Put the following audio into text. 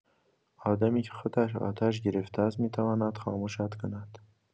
آدمی که خودش آتش گرفته است، می‌تواند خاموشت کند؟